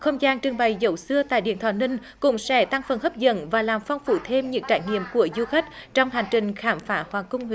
không gian trưng bày rượu xưa tại điện thọ ninh cũng sẽ tăng phần hấp dẫn và làm phong phú thêm những trải nghiệm của du khách trong hành trình khám phá hoàng cung huế